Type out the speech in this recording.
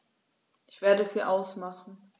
Ich werde sie ausmachen.